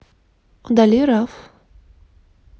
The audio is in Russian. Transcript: удали раф